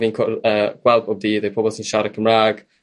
fi'n cwrddd yy gweld pob dydd yw pobol sy'n siarad Cymra'g